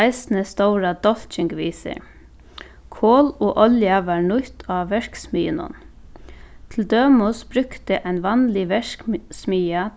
eisini stóra dálking við sær kol og olja varð nýtt á verksmiðjunum til dømis brúkti ein vanlig